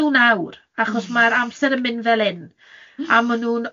Joia nhw nawr, achos ma'r amser yn mynd fel hyn.